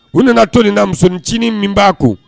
U nana to nin na musonincinin min b'a kun